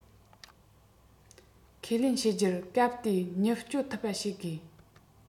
ཁས ལེན བྱེད རྒྱུར སྐབས དེའི མྱུར སྐྱོབ ཐུབ པ བྱེད དགོས